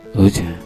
O ye tiɲɛ ye